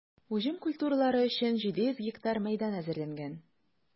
Уҗым культуралары өчен 700 га мәйдан әзерләнгән.